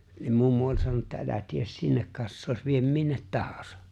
niin mummo oli sanonut että älä tee sinne kassaa vie minne tahansa